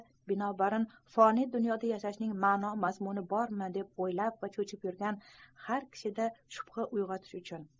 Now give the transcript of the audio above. binobarin foniy dunyoda yashashning ma'no mazmuni bormi deb o'ylanib va cho'chib yurgan har kishida shubha uyg'otish uchun